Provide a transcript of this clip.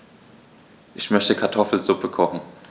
Ich möchte Kartoffelsuppe kochen.